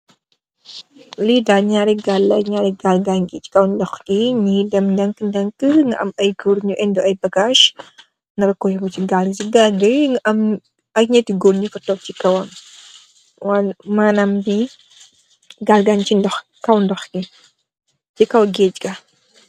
Lii daal ñaari gal la, ñaari gaal gaañ gaang si ndox mi. Mu ngee dem ndanka ndanka, am ay goor yuy indi ay bagaas Si gaal gi, si gaal gi mu ngi am ay ñati goor yu fa toog si kowam. Manaam, lii, gaal gaañg si kow ndox gi, si kow gëëge gi.